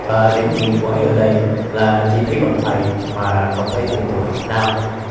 điểm kỳ quái ở đây là chỉ thấy bàn tay mà không thấy thân người nào với các bạn chúng ta